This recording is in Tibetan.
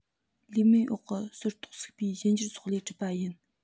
ལུས སྨད འོག གི ཟུར ཐོག སུག པའི གཞན འགྱུར སོགས ལས གྲུབ པ རེད